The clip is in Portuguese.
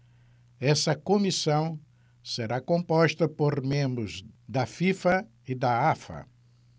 essa comissão será composta por membros da fifa e da afa